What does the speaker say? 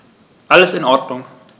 Alles in Ordnung.